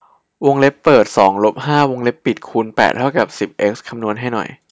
วงเล็บเปิดสองลบห้าวงเล็บปิดคูณแปดเท่ากับสิบเอ็กซ์คำนวณให้หน่อย